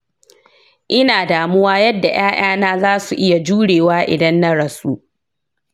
ina damuwa yadda ’ya’yana za su iya jurewa idan na rasu.